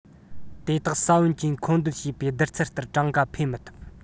དེ དག ས བོན གྱིས མཁོ འདོན བྱས པའི བསྡུར ཚད ལྟར གྲངས ཀ འཕེལ མི ཐུབ